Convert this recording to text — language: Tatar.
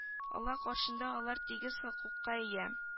Алла каршында алар тигез хокукка ия